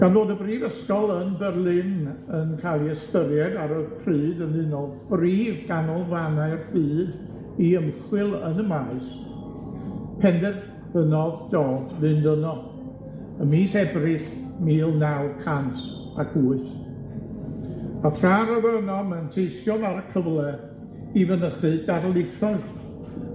Gan fod â brifysgol yn Berlin yn ca'l 'i ystyried ar y pryd yn un o brif ganolfannau'r byd i ymchwil yn y maes, penderfynodd Dodd fynd yno ym mis Ebrill mil naw cant ac wyth, a thra ro'dd o yno manteision ar y cyfle i fynychu darlithoedd